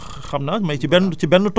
waa mais je xam naa